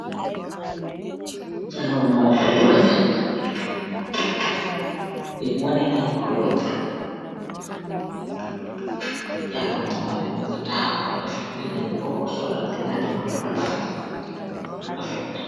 Jarou nopuu bu rafat bu ahmeh ayyi kuloor.